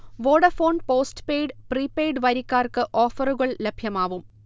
Vodafone postpaid, prepaid വരിക്കാർക്ക് ഓഫറുകൾ ലഭ്യമാവും